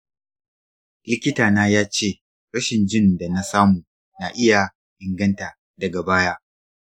likitana ya ce rashin jin da na samu na iya inganta daga baya.